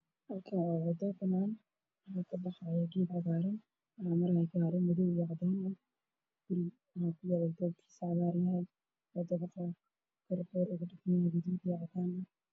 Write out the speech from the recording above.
Meeshaan oo meel waddo ah waxay iga muuqda gaari cadaan ah